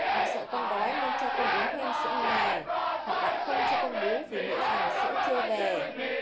bạn sợ con đói nên cho con uống thêm sữa ngoài hoặc bạn không cho con bú vì nghĩ rằng sữa chưa về